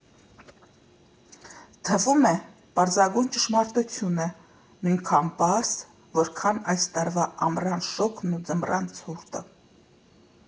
Թվում է՝ պարզագույն ճշմարտություն է, նույնքան պարզ, որքան այս տարվա ամռան շոգն ու ձմռան ցուրտը։